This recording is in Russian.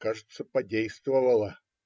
Кажется, подействовало.